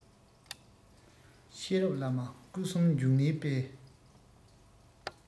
གཤེན རབ བླ མ སྐུ གསུམ འབྱུང གནས དཔལ